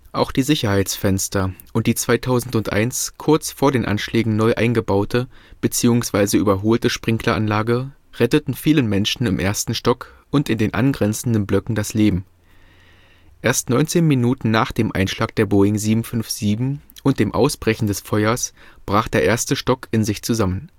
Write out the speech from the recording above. Auch die Sicherheitsfenster und die 2001 kurz vor den Anschlägen neu eingebaute bzw. überholte Sprinkleranlage retteten vielen Menschen im 1. Stock und in den angrenzenden Blöcken das Leben. Erst 19 Minuten nach dem Einschlag der Boeing 757 und dem Ausbrechen des Feuers brach der 1. Stock in sich zusammen